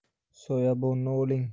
soyabonni oling